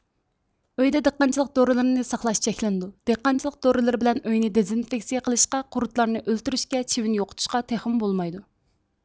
ئۆيدە دېھقانچىلىق دورىلىرىنى ساقلاش چەكلىنىدۇ دېھقانچىلىق دورىلىرى بىلەن ئۆينى دېزىنفىكسىيە قىلىشقا قۇرتلارنى ئۆلتۈرۈشكە چىۋىن يوقىتىشقا تېخىمۇ بولمايدۇ